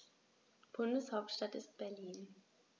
Bundeshauptstadt ist Berlin.